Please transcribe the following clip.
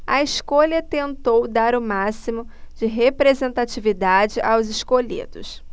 a escolha tentou dar o máximo de representatividade aos escolhidos